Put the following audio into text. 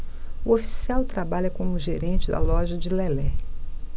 o oficial trabalha como gerente da loja de lelé